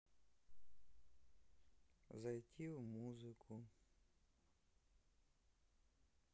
зайти в музыку